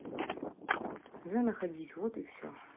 the находить вот и все